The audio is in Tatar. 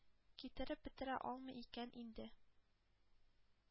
Китереп бетерә алмый икән инде,